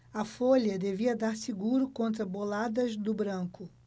a folha devia dar seguro contra boladas do branco